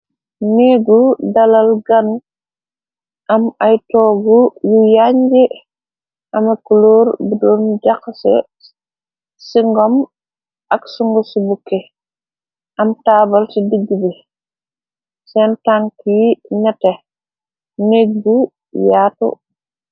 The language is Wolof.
Néegu dalal gan, am ay toogu yu yaañgi, amme kuloor bu doon jaxase singom ak sungu si bukke, am taabal ci digg bi, seen tank yi nete, negg bu yaatu.